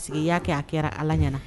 Pa que i y'a kɛ a kɛra ala ɲɛna